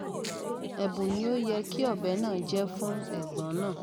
Ẹ̀bùn ni ó yẹ kí ọbẹ̀ náà jẹ́ fún ẹ̀gbọ́n náà.